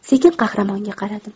sekin qahramonga qaradim